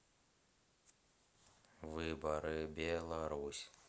выборы беларусь